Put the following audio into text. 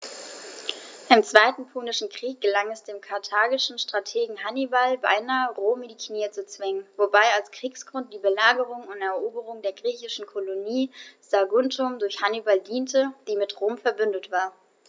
Im Zweiten Punischen Krieg gelang es dem karthagischen Strategen Hannibal beinahe, Rom in die Knie zu zwingen, wobei als Kriegsgrund die Belagerung und Eroberung der griechischen Kolonie Saguntum durch Hannibal diente, die mit Rom „verbündet“ war.